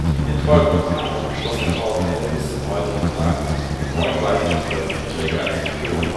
In den folgenden Jahren schloss der VfL bis zum heutigen Tag mit neun weiteren Firmen Verträge als Trikot